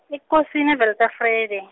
eKosini Weltevrede.